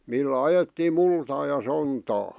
millä ajettiin multaa ja sontaa